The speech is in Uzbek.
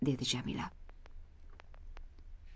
dedi jamila